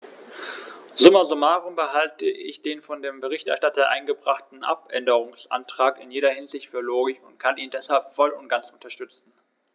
Summa summarum halte ich den von dem Berichterstatter eingebrachten Abänderungsantrag in jeder Hinsicht für logisch und kann ihn deshalb voll und ganz unterstützen.